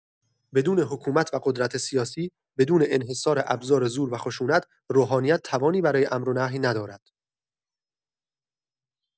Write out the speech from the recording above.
بدون حکومت و قدرت سیاسی، بدون انحصار ابزار زور و خشونت، روحانیت توانی برای امر و نهی ندارد.